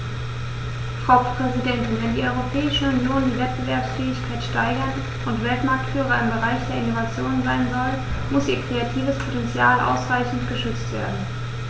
Frau Präsidentin, wenn die Europäische Union die Wettbewerbsfähigkeit steigern und Weltmarktführer im Bereich der Innovation sein soll, muss ihr kreatives Potential ausreichend geschützt werden.